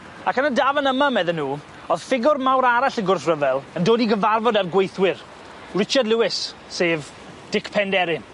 Ac yn y dafarn yma medden nhw, o'dd ffigwr mawr arall y gwrthryfel yn dod i gyfarfod â'r gweithwyr, Richard Lewis, sef Dic Penderyn.